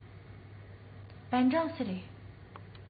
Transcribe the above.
པེན ཀྲང སུ རེད